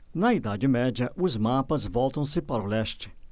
na idade média os mapas voltam-se para o leste